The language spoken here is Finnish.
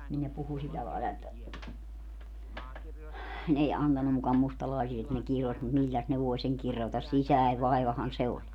niin ne puhui sillä lailla että ne ei antanut muka - että ne kirosi mutta milläs ne voi sen kirota sisäinen vaivahan se oli